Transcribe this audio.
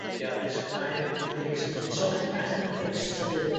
wici addysg a hefyd wici pics fedri 'di sôn chydi bach am wici pics y' sydyn?